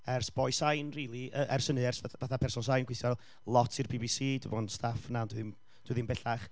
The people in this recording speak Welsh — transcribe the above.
ers boi sain rili, yy ers hynny, ers fatha person sain gweithio ar lot i'r BBC, dwi 'di bod yn staff yna, ond dwi'm dwi ddim bellach